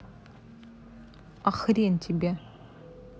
а хрен тебе